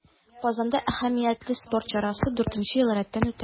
Казанда әһәмиятле спорт чарасы дүртенче ел рәттән үтә.